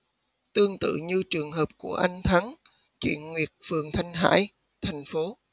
tương tự như trường hợp của anh thắng chị nguyệt phường thanh hải thành phố